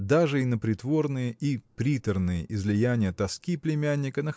даже и на притворные и приторные излияния тоски племянника